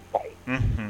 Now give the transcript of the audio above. Ɔ un